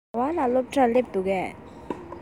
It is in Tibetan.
ཟླ བ ལགས སློབ གྲྭར སླེབས འདུག གས